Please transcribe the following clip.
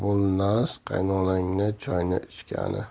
bo'lrnas qaynamagan choyni ichgani